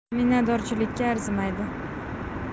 minnatdorchilikka arzimaydi